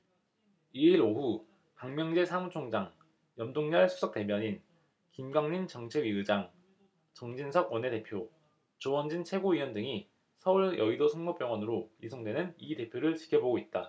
이 일 오후 박명재 사무총장 염동열 수석대변인 김광림 정책위의장 정진석 원내대표 조원진 최고위원 등이 서울 여의도성모병원으로 이송되는 이 대표를 지켜보고 있다